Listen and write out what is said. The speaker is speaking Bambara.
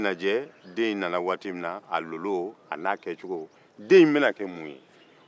u b'a laje den nana waati min a doolo a bɛna ke mun ye